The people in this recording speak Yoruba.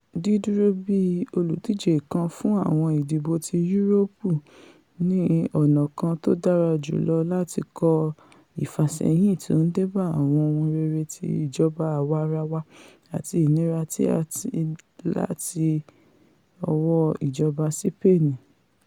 Dídúró bíi olùdíje kan fún àwọn ìdìbò ti Yúróòpù ni ọ̀nà kan tó dára jùlọ láti kọ ìfàsẹ́yìn tó ńdébá àwọn ohun rere ti ìjọba àwarawa àti inira tí a tí láti ọwọ́ ìjọba Sipeeni.